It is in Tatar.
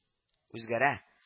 Үзгәрә